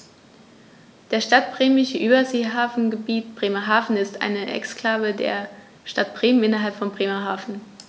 Das Stadtbremische Überseehafengebiet Bremerhaven ist eine Exklave der Stadt Bremen innerhalb von Bremerhaven.